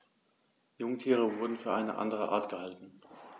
Jungtiere wurden für eine andere Art gehalten.